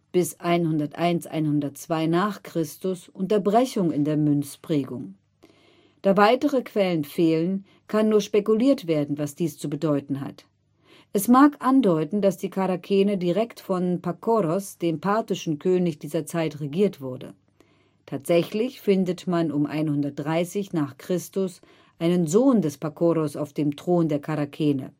bis 101/2 n. Chr.) Unterbrechung in der Münzprägung. Da weitere Quellen fehlen, kann nur spekuliert werden, was dies zu bedeuten hat. Es mag andeuten, dass die Charakene direkt von Pakoros, dem parthischen König dieser Zeit regiert wurde. Tatsächlich findet man um 130 n. Chr. einen Sohn des Pakoros auf dem Thron der Charakene